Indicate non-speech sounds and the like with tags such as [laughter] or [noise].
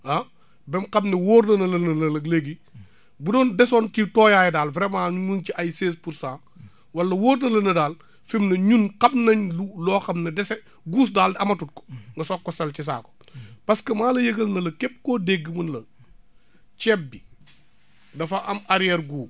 ah ba mu xam ne wóor na la na la nag léegi bu doon desoon ci tooyaay daal vraiment mu ngi ci ay seize pour cent wala wóor na la ne daal fi mu ne ñun xam nañ lu loo xam ne dese guus daal amatut ko nga soog ko sol ci saako [breath] parce que maa la yëgal ne la képp koo dégg mu ni la ceeb bi dafa am arrière goût